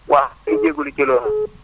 waaw ñu ngi jégalu si loolu